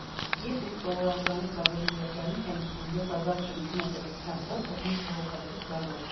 Ես ինձ սովորականից ավելի երջանիկ եմ զգում, ես առատ շնչում եմ պետության օդը՝ ինձ քաղաքացի զգալով։